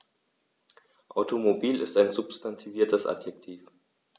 Automobil ist ein substantiviertes Adjektiv.